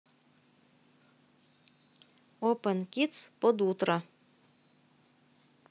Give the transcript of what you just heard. опен кидс под утро